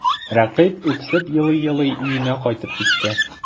Рәкыйп үксеп елый-елый өенә кайтып китте.